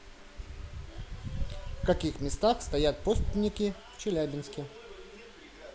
в каких местах стоят постники в челябинске